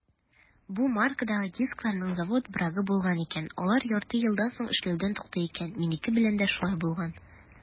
Бу маркадагы дискларның завод брагы булган икән - алар ярты елдан соң эшләүдән туктый икән; минеке белән дә шулай булган.